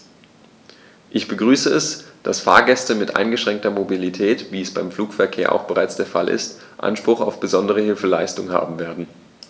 Ich begrüße es, dass Fahrgäste mit eingeschränkter Mobilität, wie es beim Flugverkehr auch bereits der Fall ist, Anspruch auf besondere Hilfeleistung haben werden.